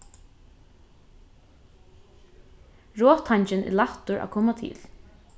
rottangin er lættur at koma til